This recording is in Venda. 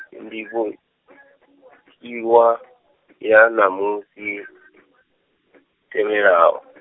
ndivhotiwa ya ṋamusi, tevhelaho.